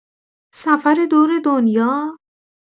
سفر دور دنیا!